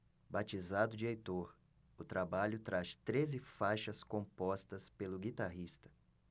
batizado de heitor o trabalho traz treze faixas compostas pelo guitarrista